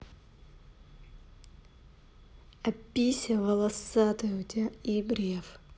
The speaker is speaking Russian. а пися волосатая у тебя ибреев